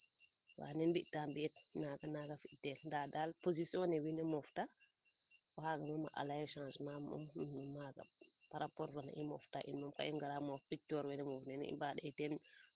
waana mbita mbi it naaga fi tel ndaa daal position ne wiin we moof ta o xaaga moom a leye changement maaga par rapport ne i moof ta ngara moof micoor mene moof mene i mbaage teen